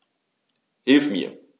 Hilf mir!